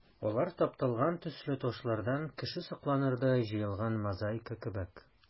Алар тапталган төсле ташлардан кеше сокланырдай җыелган мозаика кебек.